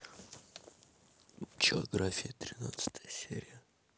пчелография тринадцатая серия